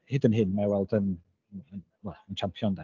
Hyd yn hyn mae'i weld yn yn yn wel yn champion de.